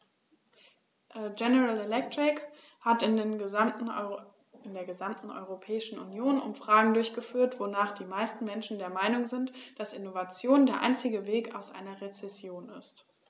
General Electric hat in der gesamten Europäischen Union Umfragen durchgeführt, wonach die meisten Menschen der Meinung sind, dass Innovation der einzige Weg aus einer Rezession ist.